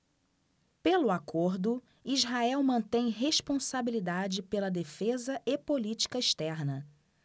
pelo acordo israel mantém responsabilidade pela defesa e política externa